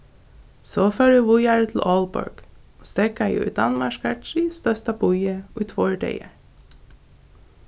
so fór eg víðari til aalborg og steðgaði í danmarkar triðstørsta býi í tveir dagar